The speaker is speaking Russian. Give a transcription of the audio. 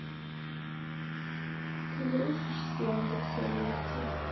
ты дружишь с яндекс алисой